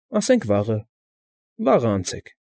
Ասենք վաղը։ Վաղը անցեք։